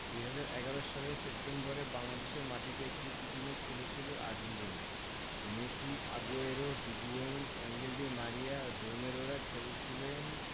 ২০১১ সালের সেপ্টেম্বরে বাংলাদেশের মাটিতে একটি প্রীতি ম্যাচ খেলেছিল Argentina Messi Aguero Higuain Angel Di Maria রোমেরোরা খেলেছিলেন